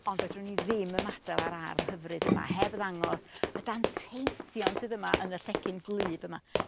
On' fedrwn i ddim ymadel â'r ardd hyfryd yma heb y ddangos y danteithion sydd yma yn y llecyn gwlyb yma